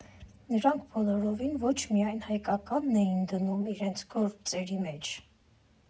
Նրանք բոլորովին ոչ միայն հայկականն էին դնում իրենց գործերի մեջ.